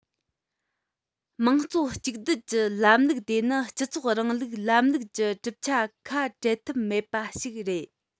དམངས གཙོ གཅིག སྡུད ཀྱི ལམ ལུགས དེ ནི སྤྱི ཚོགས རིང ལུགས ལམ ལུགས ཀྱི གྲུབ ཆ ཁ འབྲལ ཐབས མེད པ ཞིག རེད